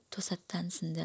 to'satdan so'ndi